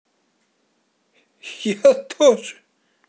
я тоже